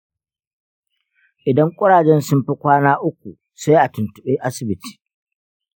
idan kurajen sun fi kwana uku, sai a tuntuɓi asibiti.